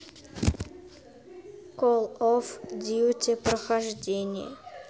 кол оф дьюти прохождение